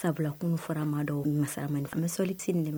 Sabula kunun fɔra ma dɔw nka a ma bɛ soli se nin dɛmɛ